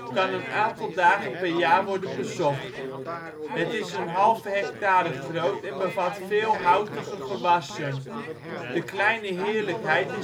kan een aantal dagen per jaar worden bezocht. Het is een halve hectare groot en bevat veel houtige gewassen. “De Kleine Heerlijkheid